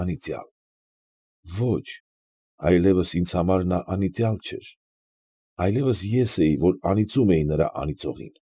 Անիծյալ։ Ո՛չ, այլևս ինձ համար նա անիծյալ չէր, այլևս ես էի, որ անիծում էի նրա անիծողին։